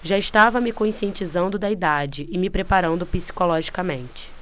já estava me conscientizando da idade e me preparando psicologicamente